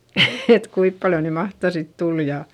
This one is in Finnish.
että kuinka paljon nyt mahtaa sitten tulla ja